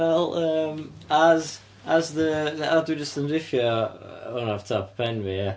Wel, yym, as as the o dwi jyst yn riffio hwn off top pen fi ia.